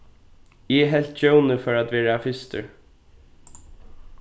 eg helt djóni fór at verða fyrstur